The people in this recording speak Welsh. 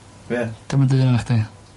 Be? 'Di o'm yn deud o nachdi?